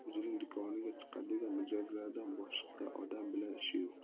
o'zining do'koniga chiqadigan mijozlardan boshqa odam bilan ishi yo'q